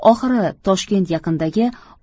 oxiri toshkent yaqinidagi